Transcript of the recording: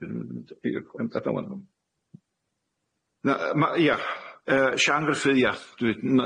Ia yy Siân Gruffydd, ia.